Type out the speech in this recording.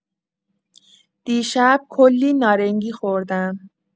دیشب کلی نارنگی خوردم.